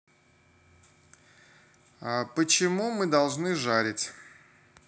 почему мы должны жарить